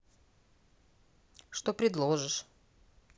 что предложишь